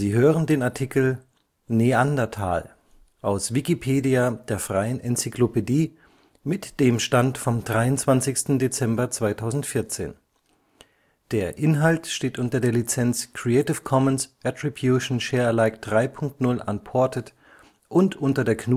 hören den Artikel Neandertal, aus Wikipedia, der freien Enzyklopädie. Mit dem Stand vom Der Inhalt steht unter der Lizenz Creative Commons Attribution Share Alike 3 Punkt 0 Unported und unter der GNU